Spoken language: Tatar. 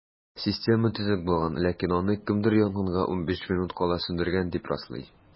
Система төзек булган, ләкин аны кемдер янгынга 15 минут кала сүндергән, дип раслый.